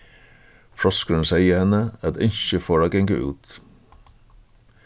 froskurin segði henni at ynskið fór at ganga út